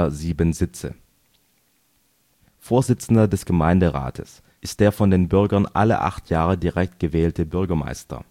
7 Sitze. Vorsitzender des Gemeinderates ist der von den Bürgern alle acht Jahre direkt gewählte Bürgermeister